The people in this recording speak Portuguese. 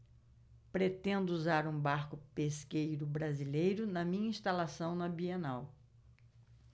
pretendo usar um barco pesqueiro brasileiro na minha instalação na bienal